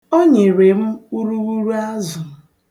O nyere m urughuru azụ.